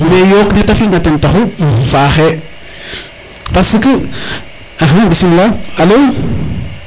mais yoq ne te fina ten taxu faaxe parce que axa bismila alo